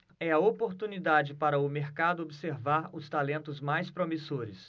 é a oportunidade para o mercado observar os talentos mais promissores